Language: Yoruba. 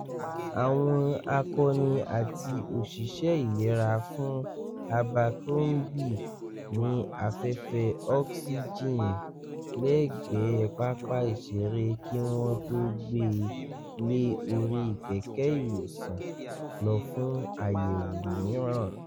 Àwọn Akọni àti òṣìṣẹ́ ìlera fún Abercrombie ní afẹ́fẹ́ oxygen lẹ́gbẹ̀é pápá ìṣere kí wọ́n tó gbé e lé orí kẹ́kẹ́-ìwòsàn lọ fún àyẹ̀wò míràn.